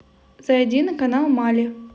зайди на канал мали